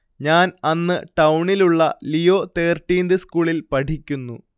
ഞാൻ അന്ന് ടൗണിലുള്ള ലീയോ തേർട്ടീന്ത് സ്കൂളിൽ പഠിക്കുന്നു